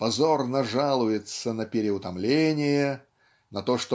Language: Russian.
позорно жалуется на переутомление на то